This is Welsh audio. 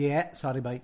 Ie, sori bai.